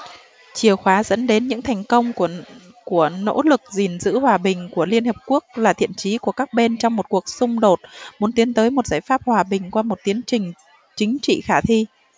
chìa khóa dẫn đến những thành công của của nỗ lực gìn giữ hòa bình của liên hiệp quốc là thiện chí của các bên trong một cuộc xung đột muốn tiến tới một giải pháp hòa bình qua một tiến trình chính trị khả thi